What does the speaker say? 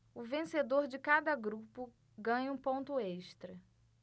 o vencedor de cada grupo ganha um ponto extra